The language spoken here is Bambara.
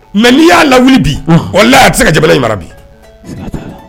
Mɛ n'i y'a lawu bi o la a tɛ se ka ja in mara bi